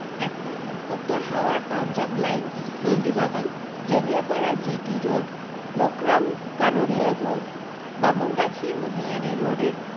এখন উত্তর হাওড়ার Punjab line Nandibagan Jeliapara GT road Mokram Kanoria road Bamungachhi Mahiyari রোডের